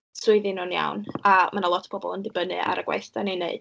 swyddi nhw'n iawn, a ma' na lot o bobl yn dibynnu ar y gwaith dan ni'n wneud.